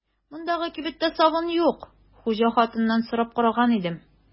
Мондагы кибеттә сабын юк, хуҗа хатыннан сорап караган идем.